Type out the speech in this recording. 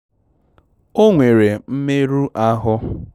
Ọ nwere mmerụ ahụ.